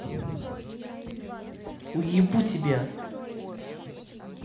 уебу тебя